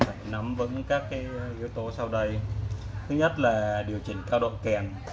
chúng ta cần phải nắm vững các yếu tố sau đây thứ nhất là điều chỉnh cao độ kèn